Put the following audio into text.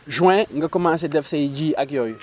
juin nga commencé def say ji ak yooyu